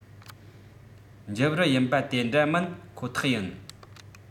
འཇིབ རུ ཡིད པ དེ འདྲ མིན ཁོ ཐག ཡིན